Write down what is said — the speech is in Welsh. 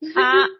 a